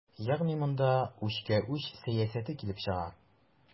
Ягъни монда үчкә-үч сәясәте килеп чыга.